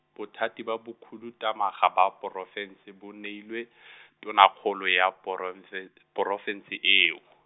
Bothati ba bokhuduthamaga ba porofense bo neilwe , Tonakgolo ya poromfe-, porofense eo .